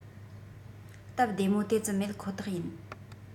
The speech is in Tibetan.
སྟབས བདེ མོ དེ ཙམ མེད ཁོ ཐག ཡིན